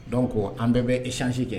Donc ko an bɛɛ bɛ échange kɛ